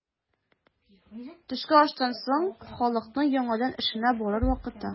Төшке аштан соң халыкның яңадан эшенә барыр вакыты.